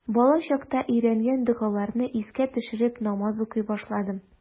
Балачакта өйрәнгән догаларны искә төшереп, намаз укый башладым.